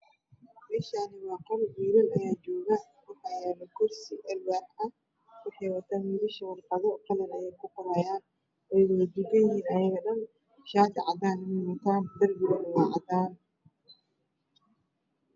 Meshaniw aa qol wilali aya joogo mid ayana kursi alwax ah waxey wataaan willasha warqado qalin ayey ku qorayaan wey wada dugan yihiina ayga dhan shati cadaan ayey wataan darpigana wa cadaan